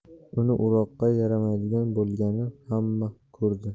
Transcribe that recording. uni o'roqqa yaramaydigan bo'lgani xamma ko'rdi